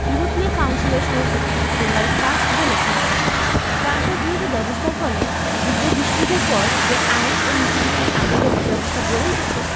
ইউরোপীয় কাউন্সিলের সভাপতি ডোনাল্ড টাস্ক বলেছেন ট্রাম্পের গৃহীত ব্যবস্থার ফলে দ্বিতীয় বিশ্বযুদ্ধের পর যে আইন ও নীতিভিত্তিক আন্তর্জাতিক ব্যবস্থা গড়ে উঠেছে